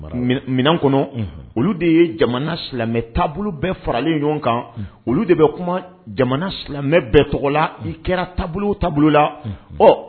Kɔnɔ olu de ye jamana silamɛ taabolo bɛɛ faralen ɲɔgɔn kan olu de bɛ kuma jamana silamɛ bɛɛ tɔgɔ la i kɛra taabolo taabolo la